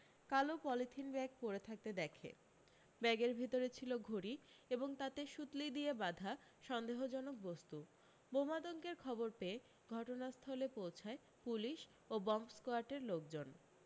কালো polythene bag পড়ে থাকতে দেখে ব্যাগের ভিতরে ছিল ঘড়ি এবং তাতে সুতলি দিয়ে বাঁধা সন্দেহজনক বস্তু বোমাতঙ্কের খবর পেয়ে ঘটনাস্থলে পৌঁছায় পুলিশ ও বম্ব স্কোয়াডের লোকজন